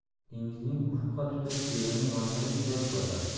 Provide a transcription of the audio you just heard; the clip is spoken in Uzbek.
dengizning ufqqa tutash yerini yondirib quyosh botadi